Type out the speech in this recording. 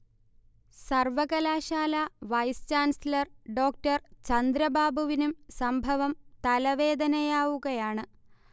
സർവ്വകലാശാല vice chancellor ഡോ. ചന്ദ്രബാബുവിനും സംഭവം തലവേദനയാവുകയാണ്